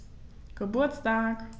Geburtstag